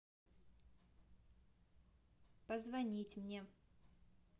позвонить мне